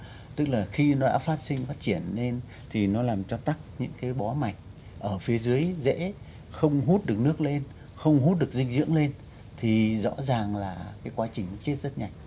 tức là khi đã phát sinh phát triển lên thì nó làm cho tất những thứ bó mạch ở phía dưới rễ không hút được nước lên không hút được dinh dưỡng lên thì rõ ràng là cái quá trình chết rất nhanh